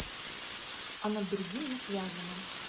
а над другим не связано